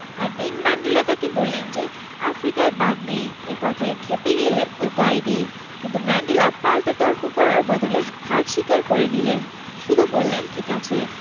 একদিন ম্যান্ডেলা তাঁকে বললেন যে আফ্রিকায় বাঘ নেই এ কথায় খেপে গেলেন ওই কয়েদি কিন্তু ম্যান্ডেলা পাল্টা তর্ক করার বদলে হার স্বীকার করে নিলেন শুধু বললেন ঠিক আছে